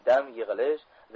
dam yig'ilish